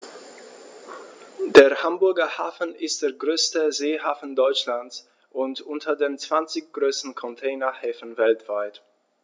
Der Hamburger Hafen ist der größte Seehafen Deutschlands und unter den zwanzig größten Containerhäfen weltweit.